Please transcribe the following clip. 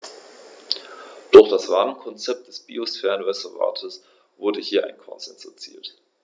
Durch das Rahmenkonzept des Biosphärenreservates wurde hier ein Konsens erzielt.